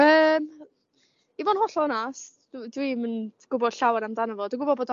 Yym i fo'n holl onast dwi dwi'm yn gw'bod llawar amdano fo dwi'n gw'bod fod o'n